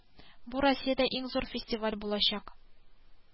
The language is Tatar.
Бу россиядә иң зур фестиваль булачак